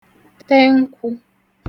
te nkwụ̄